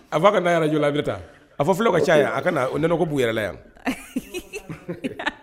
A f'a ka na arajo a fɔ filaw ka caya a ka na nɔnɔko b'u yɛrɛ la yan